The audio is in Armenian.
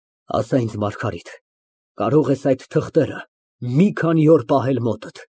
Ասա, ինձ, Մարգարիտ, կարո՞ղ ես այդ թղթերը մի քանի օր պահել մոտդ։